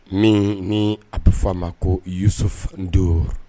Min ni a bɛ fɔ a ma kodon